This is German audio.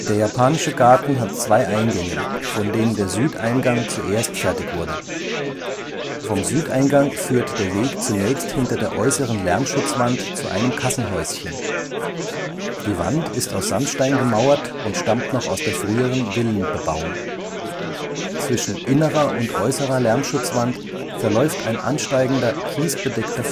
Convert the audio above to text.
Japanische Garten hat zwei Eingänge, von denen der Südeingang zuerst fertig wurde. Vom Südeingang führt der Weg zunächst hinter der äußeren Lärmschutzwand zu einem Kassenhäuschen. Die Wand ist aus Sandstein gemauert und stammt noch aus der früheren Villenbebauung. Zwischen innerer und äußerer Lärmschutzwand verläuft ein ansteigender kiesbedeckter